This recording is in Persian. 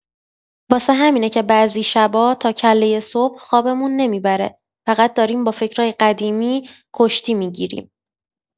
واسه همینه که بعضی شبا تا کلۀ صبح خوابمون نمی‌بره، فقط داریم با فکرای قدیمی کشتی می‌گیریم.